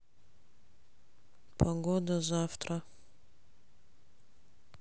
погода завтра